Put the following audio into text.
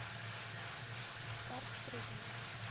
парк стризнева